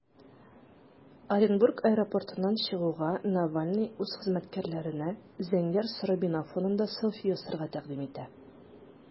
Оренбург аэропортыннан чыгуга, Навальный үз хезмәткәрләренә зәңгәр-соры бина фонында селфи ясарга тәкъдим итә.